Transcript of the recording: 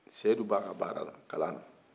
sedu b'a ka baara la kalan na